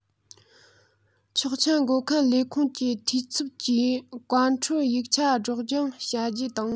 ཆོག མཆན འགོད མཁན ལས ཁུངས ཀྱི འཐུས ཚབ ཀྱིས བཀའ འཁྲོལ ཡིག ཆ སྒྲོག སྦྱང བྱ རྒྱུ དང